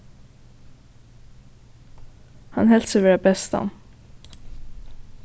hann helt seg vera bestan